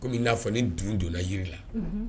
comme i n'a fɔ ni dun donna jirila